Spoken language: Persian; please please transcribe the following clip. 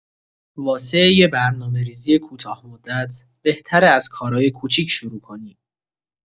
واسه یه برنامه‌ریزی کوتاه‌مدت، بهتره از کارای کوچیک شروع کنی.